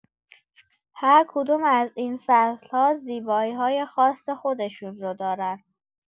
هر کدوم از این فصل‌ها زیبایی‌های خاص خودشون رو دارن.